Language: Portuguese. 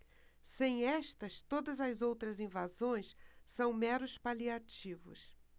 sem estas todas as outras invasões são meros paliativos